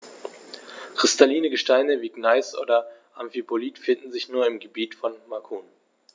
Kristalline Gesteine wie Gneis oder Amphibolit finden sich nur im Gebiet von Macun.